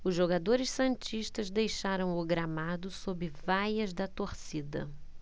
os jogadores santistas deixaram o gramado sob vaias da torcida